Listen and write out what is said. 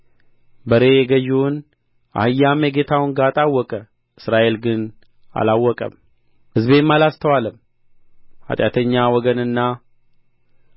በሬ የገዢውን አህያም የጌታውን ጋጣ አወቀ እስራኤል ግን አላወቀም ሕዝቤም አላስተዋለም ኃጢአተኛ ወገንና